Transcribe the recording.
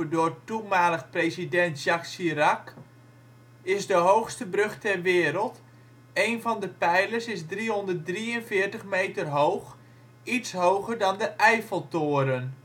door toenmalig president Jacques Chirac, is de hoogste brug ter wereld: een van de pijlers is 343 meter hoog, iets hoger dan de Eiffeltoren